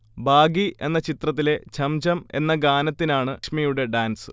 'baggy' എന്ന ചിത്രത്തിലെ 'ഛംഛം' എന്ന ഗാനത്തിനാണ് ലക്ഷ്മിയുടെ ഡാൻസ്